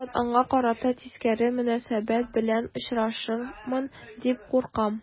Кабат аңа карата тискәре мөнәсәбәт белән очрашырмын дип куркам.